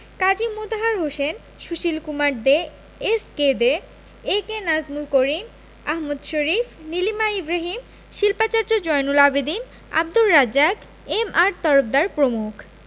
কাজী Motahar Hossain Sushil Kumar De S K De A K Nazmul Karim Ahmad Sharif Nilima Ibrahim শিল্পাচার্য Zainul Abedin Abdur Razzaq M R Tarafdar প্রমুখ